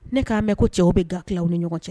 Ne k'a mɛn ko cɛw bɛ g tila ni ɲɔgɔn cɛ